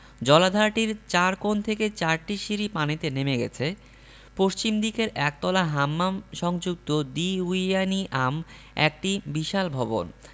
জলাধারটির চার কোণ থেকে চারটি সিঁড়ি পানিতে নেমে গেছে পশ্চিমদিকের একতলা হাম্মাম সংযুক্ত দীউয়ান ই আম একটি বিশাল ভবন